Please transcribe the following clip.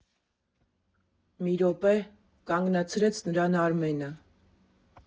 ֊ Մի րոպե, ֊ կանգնացրեց Արմենը նրան։